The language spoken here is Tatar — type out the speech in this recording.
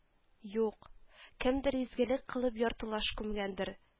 Юк, кемдер изгелек кылып яртылаш күмгәндер